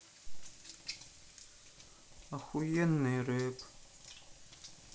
ахуенный реп